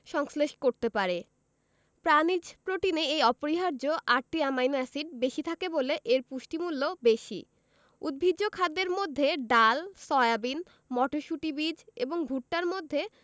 সংশ্লেষ করতে পারে প্রাণিজ প্রোটিনে এই অপরিহার্য আটটি অ্যামাইনো এসিড বেশি থাকে বলে এর পুষ্টিমূল্য বেশি উদ্ভিজ্জ খাদ্যের মধ্যে ডাল সয়াবিন মটরশুটি বীজ এবং ভুট্টার মধ্যে